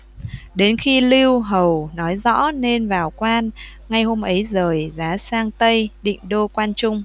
đến khi lưu hầu nói rõ nên vào quan ngay hôm ấy dời giá sang tây định đô quan trung